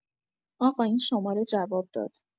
آقا این شماره جواب داد.